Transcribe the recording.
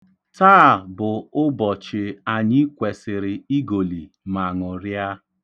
Taa bụ ụbochị anyị kwesịrị igoli ma ṅụrịa.